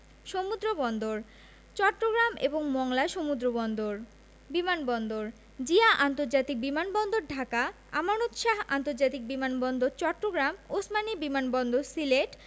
সমুদ্রবন্দরঃ চট্টগ্রাম এবং মংলা সমুদ্রবন্দর বিমান বন্দরঃ জিয়া আন্তর্জাতিক বিমান বন্দর ঢাকা আমানত শাহ্ আন্তর্জাতিক বিমান বন্দর চট্টগ্রাম ওসমানী বিমান বন্দর সিলেট